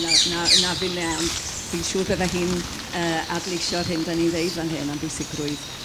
na na na fine ond fi'n siŵr bydde hi'n yrr adleisio'r hyn 'dan ni ddeud fan hyn am bwysigrwydd